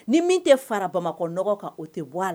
Ni min tɛ fara bamakɔ nɔgɔ kan o tɛ bɔ a la